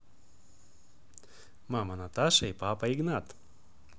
мама наташа и папа игнат